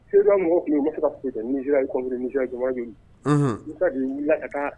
S mɔgɔ tun' kaya coya jamajusa' wulila a kan